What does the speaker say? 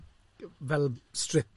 fel strip,